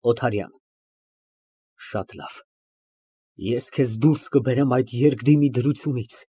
ՕԹԱՐՅԱՆ ֊ Շատ լավ, ես քեզ դուրս կբերեմ այդ երկդիմի դրությունից։